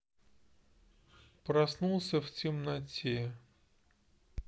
проснулся в темноте